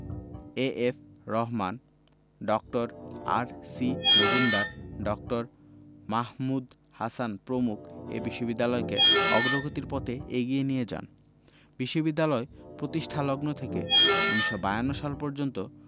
A F Rahman Dr. R C Majumdar Dr. Mahmud Hasan প্রমুখ এ বিশ্ববিদ্যালয়কে অগ্রগতির পথে এগিয়ে নিয়ে যান বিশ্ববিদ্যালয় প্রতিষ্ঠালগ্ন থেকে ১৯৫২ সাল পর্যন্ত